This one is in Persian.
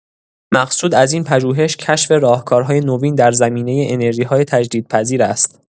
مقصود از این پژوهش، کشف راهکارهای نوین در زمینه انرژی‌های تجدیدپذیر است.